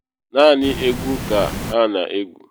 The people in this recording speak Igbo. “Naanị egwu ka ha na egu.